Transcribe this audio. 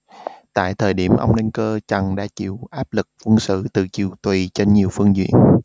tại thời điểm ông đăng cơ trần đã phải chịu áp lực quân sự từ triều tùy trên nhiều phương diện